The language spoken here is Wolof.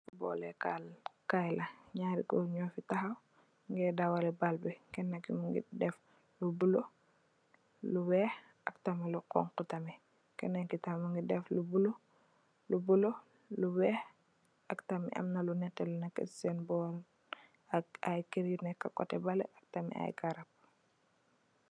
Football leh karl kaii la, njaari gorre njur fii takhaw, njungeh dawaleh bal bii, kenah kii mungy deff lu bleu, lu wekh, ak tam lu khonku tamit, kenen kii tamit mungy deff lu bleu, lu bleu, lu wekh, ak tamit amna lu nehteh lu neka cii sehn bohrre, ak aiiy kerr yu neka coteh behleh, ak aiiy garab.